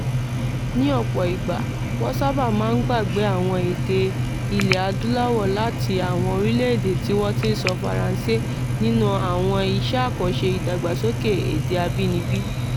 Ní ọ̀pọ̀ ìgbà, wọ́n sábà máa ń gbàgbé àwọn èdè ilẹ̀ Adúláwọ̀ láti àwọn orílẹ̀-èdè tí wọ́n ti ń sọ Faransé nínú àwọn iṣẹ́ àkànṣe ìdàgbàsókè èdè abínibí.